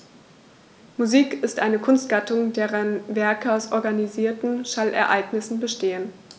Musik ist eine Kunstgattung, deren Werke aus organisierten Schallereignissen bestehen.